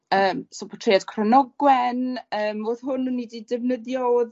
Yym so potread Cynogwen yym odd hwn o'n i 'di defnyddio odd